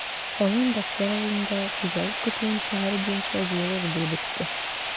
Алан-Бәксәр авылында хуҗалык көтүен чыгару буенча җыелыш булып үтте.